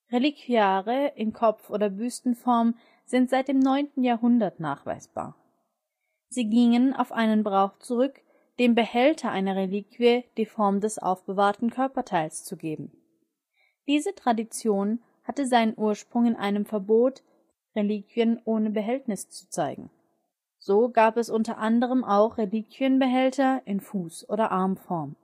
Reliquiare in Kopf - oder Büstenform sind seit dem 9. Jahrhundert nachweisbar; sie gingen auf einen Brauch zurück, dem Behälter einer Reliquie die Form des aufbewahrten Körperteils zu geben. Diese Tradition hatte seinen Ursprung in einem Verbot, Reliquien ohne Behältnis zu zeigen. So gab es unter anderem auch Reliquienbehälter in Fuß - oder Armform